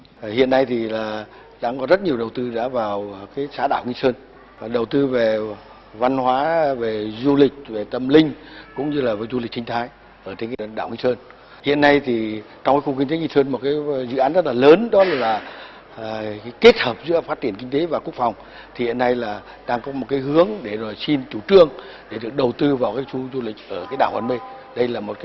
hiện nay thì là đang có rất nhiều đầu tư đã vào cái xã đảo nghi sơn và đầu tư về văn hóa về du lịch về tâm linh cũng như là với du lịch sinh thái ở huyện đảo nghi sơn hiện nay thì trong cái khu kinh tế nghi sơn một cái dự án rất là lớn đó là kết hợp giữa phát triển kinh tế và quốc phòng thì hiện nay là đang có một cái hướng để rồi xin chủ trương để được đầu tư vào khu du lịch ở đảo an bình đây là một